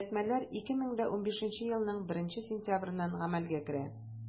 Төзәтмәләр 2015 елның 1 сентябреннән гамәлгә керә.